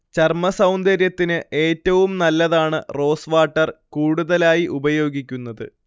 ചർമ്മ സൗന്ദര്യത്തിന് ഏറ്റവും നല്ലതാണ് റോസ് വാട്ടർ കൂടുതലായി ഉപയോഗിക്കുന്നത്